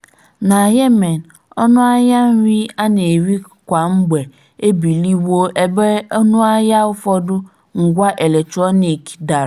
Na Yemen, ọnụ ahịa nri a na-eri kwa mgbe ebiliwo ebe ọnụ ahịa ụfọdụ ngwa eletrọnịkị dara.